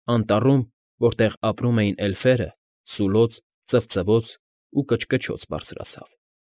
Անտառում, որտեղ ապրում էին էլֆերը, սուլոց, ծվծվոց ու կչկչոց բարձրացավ։